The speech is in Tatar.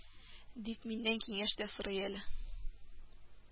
Дип миннән киңәш тә сорый әле